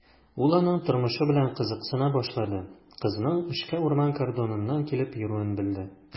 Ул аның тормышы белән кызыксына башлады, кызның эшкә урман кордоныннан килеп йөрүен белде.